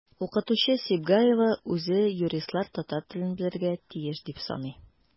Укытучы Сибгаева үзе юристлар татар телен белергә тиеш дип саный.